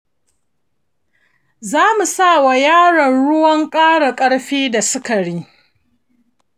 zamu sawa yaron ruwan ƙara ƙarfi da sikari